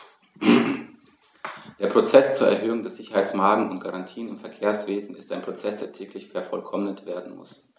Der Prozess zur Erhöhung der Sicherheitsmargen und -garantien im Verkehrswesen ist ein Prozess, der täglich vervollkommnet werden muss.